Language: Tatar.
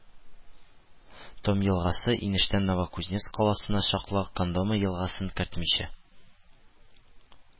Томь елгасы, инештән Новокузнецк каласына чаклы, Кондома елгасын кертмичә,